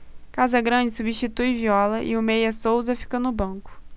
casagrande substitui viola e o meia souza fica no banco